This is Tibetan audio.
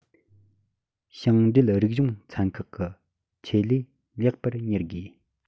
ཞིང འབྲེལ རིག གཞུང ཚན ཁག གི ཆེད ལས ལེགས པར གཉེར དགོས